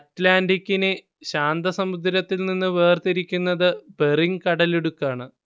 അറ്റ്ലാന്റിക്കിനെ ശാന്തസമുദ്രത്തിൽനിന്നു വേർതിരിക്കുന്നതു ബെറിങ് കടലിടുക്കാണ്